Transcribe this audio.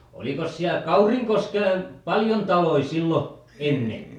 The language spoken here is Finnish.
olikos siellä Kaurinkoskella paljon taloja silloin ennen